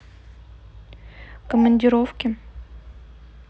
командировки